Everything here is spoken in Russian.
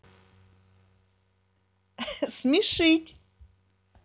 смешить